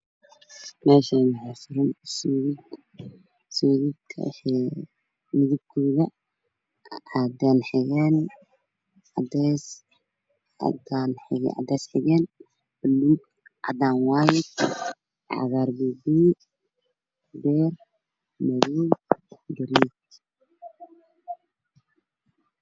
Meeshaan waa meel ay darasar suran yihiin waxaa iiga muuqda shaatiyaalka cadaan qaxo guduud caddaysi waxaa hoos yaalla sargaal la mid madow